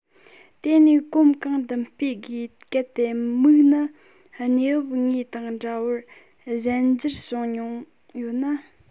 དེ ནས གོམ གང མདུན སྤོས སྒོས གལ ཏེ མིག ནི གནས བབ དངོས དང འདྲ བར གཞན འགྱུར བྱུང མྱོང ཡོད ན